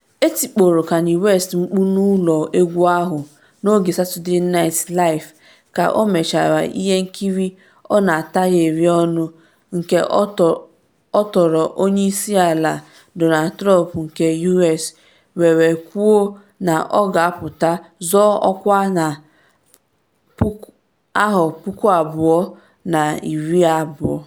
Etikporo Kanye West mkpu n’ụlọ egwu ahụ n’oge Saturday Night Live ka ọ mechara ihe nkiri ọ na-atagheri ọnụ nke otoro Onye Isi Ala Donald Trump nke U.S. were kwuo na ọ ga-apụta zọọ ọkwa na 2020.